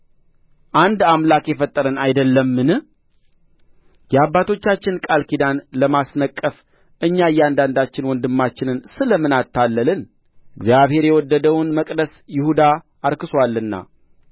አንድ አምላክስ የፈጠረን አይደለምን የአባቶቻችንን ቃል ኪዳን ለማስነቀፍ እኛ እያንዳንዳችን ወንድማችንን ስለ ምን አታለልን እግዚአብሔር የወደደውን መቅደስ ይሁዳ አርክሶአልና